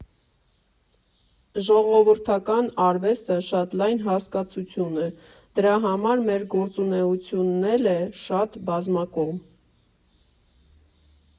Ժողովրդական արվեստը շատ լայն հասկացություն է, դրա համար մեր գործունեությունն էլ է շատ բազմակողմ։